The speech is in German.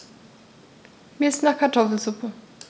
Mir ist nach Kartoffelsuppe.